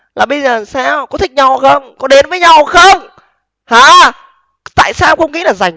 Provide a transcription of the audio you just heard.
là bây giờ sẽ có thích nhau không có đến với nhau không hả tại sao cô nghĩ là dành